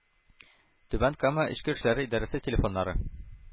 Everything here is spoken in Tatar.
Түбән Кама эчке эшләр идарәсе телефоннары: